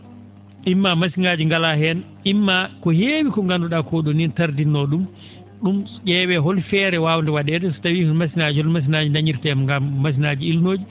imma machine ?aaji ngalaa heen imma ko heewi ko ngandu?aa ko?oni ne tardinnoo ?um ?um ?eewee hol feere waawnde wa?eede so tawii ko machine ?aaji hono machine ?aaji dañirtee ngam machine ?aaji ilnooji